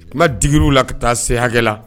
Kuma diigirru la ka taa se hakɛ la